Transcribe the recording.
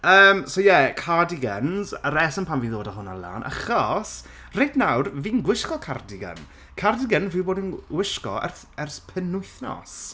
Yym so ie cardigans y reswm pan fi'n dod a hwnna lan achos, reit nawr fi'n gwisgo cardigan, cardigan fi bod yn wisgo ers ers penwythnos